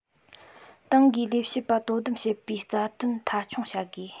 ཏང གིས ལས བྱེད པ དོ དམ བྱེད པའི རྩ དོན མཐའ འཁྱོངས བྱ དགོས